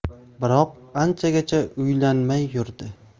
biroq anchagacha uylanmay yurdi